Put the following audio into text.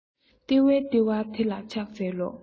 ལྟེ བའི ལྟེ བ དེ ལ ཕྱག འཚལ ལོ